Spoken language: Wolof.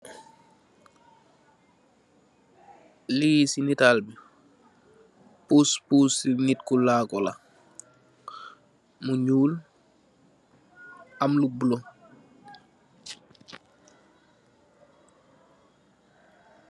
Li si nital bi puspusi nit ku lago la, mu nyuul am lo bule.